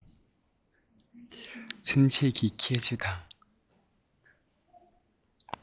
ཚུན ཆད ཀྱི ཁྱད ཆོས དང